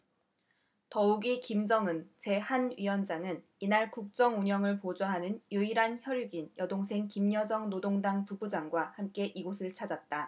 더욱이 김정은 제 한 위원장은 이날 국정운영을 보좌하는 유일한 혈육인 여동생 김여정 노동당 부부장과 함께 이곳을 찾았다